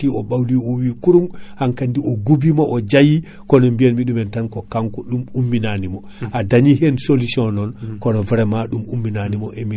mudoji men kaadi ko eɗen joogui qualité ji ɗiɗi muudo eɗen joogui muudo mo ganduɗa ko kiloji nayyi eɗen joogui kaadi yoogay waɗoɓe mudoji muudo mumen wona kiloji jeegom